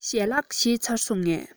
ཞལ ལག ཁ ལག མཆོད བཞེས ཚར སོང ངས